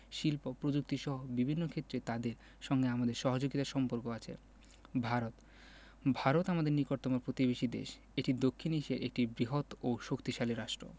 শিল্প প্রযুক্তিসহ বিভিন্ন ক্ষেত্রে তাদের সঙ্গে আমাদের সহযোগিতার সম্পর্ক আছে ভারত ভারত আমাদের নিকটতম প্রতিবেশী দেশএটি দক্ষিন এশিয়ার একটি বৃহৎও শক্তিশালী রাষ্ট্র